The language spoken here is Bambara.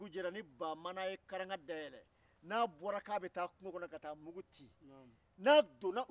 waliden minnu tatɔ ka na fara ka na ka di a badenkɔrɔkɛ ma